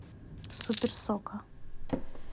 супер сока